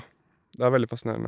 Det er veldig fascinerende.